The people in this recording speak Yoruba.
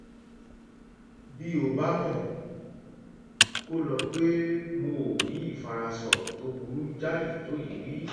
Bí ‘ò bá mọ̀, kó lọ pé mo ‘ò ìfarasọ̀rọ̀ tó burú jáyì tó yìí rí.”